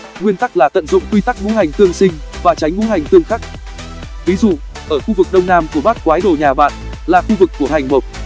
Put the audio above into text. nguyên tắc là tận dụng quy tắc ngũ hành tương sinh và tránh ngũ hành tương khắc ví dụ ở khu vực đông nam của bát quái đồ nhà bạn là khu vực của hành mộc